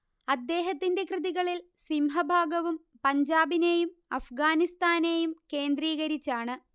അദ്ദേഹത്തിന്റെ കൃതികളിൽ സിംഹഭാഗവും പഞ്ചാബിനെയും അഫ്ഘാനിസ്ഥാനെയും കേന്ദ്രീകരിച്ചാണ്